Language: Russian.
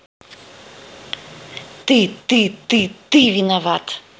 ты ты ты ты виноват